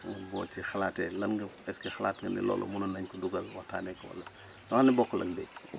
boo ci xalmaatee lan nga est ce que xalaat nga ni loolu mënoon nañu ko dugal waxtaanee ko wala loo xam ne bookul ak béy